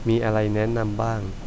มีอะไรแนะนำบ้าง